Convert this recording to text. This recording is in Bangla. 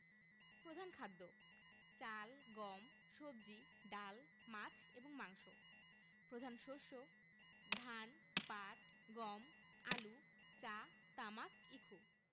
প্রধান খাদ্যঃ চাল গম সবজি ডাল মাছ এবং মাংস প্রধান শস্যঃ ধান পাট গম আলু চা তামাক ইক্ষু